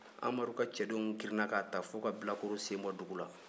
amadu ka cɛdenw girinna k'a ta fo ka bilakoro sen bɔ dugu la